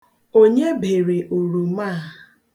Onye bere oroma a ?